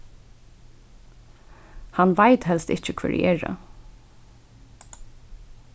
hann veit helst ikki hvør eg eri